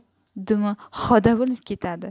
dumi xoda bo'lib ketadi